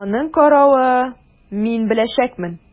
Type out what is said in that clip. Аның каравы, мин беләчәкмен!